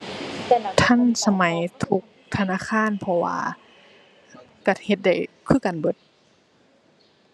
ทันสมัยทุกธนาคาร เพราะว่าก็เฮ็ดได้คือกันเบิด